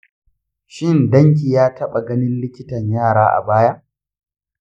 shin danki ya taba ganin likitan yara a baya?